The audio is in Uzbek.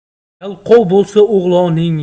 yalqov bo'lsa o'g'loning